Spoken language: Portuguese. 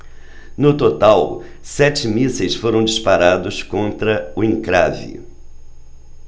no total sete mísseis foram disparados contra o encrave